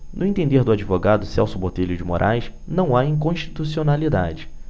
no entender do advogado celso botelho de moraes não há inconstitucionalidade